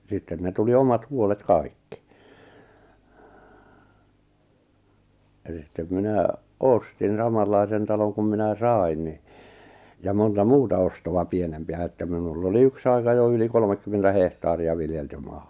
sitten ne tuli omat huolet kaikki eli sitten minä ostin samanlaisen talon kun minä sain niin ja monta muuta ostoa pienempiä että minulla oli yksi aika jo yli kolmekymmentä hehtaaria viljeltyä maata